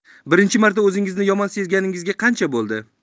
birinchi marta 'zingizni yomon sezganingizga qancha bo'ldi